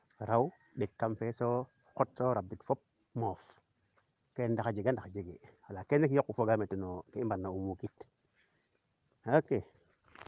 raw xot soo rabid fop moof keene ndax a jega ndax jege wala keene rek yoqu no ke i mbarna muukit ok